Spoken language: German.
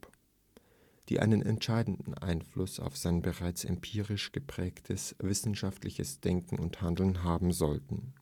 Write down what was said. die einen entscheidenden Einfluss auf sein bereits empirisch geprägtes wissenschaftliches Denken und Handeln haben sollten